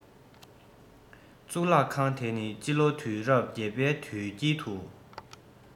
གཙུག ལག ཁང དེ ནི སྤྱི ལོའི དུས རབས ༨ པའི དུས དཀྱིལ དུ